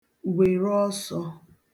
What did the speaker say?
gwère ọsọ̄